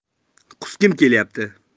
qusgim kelayapti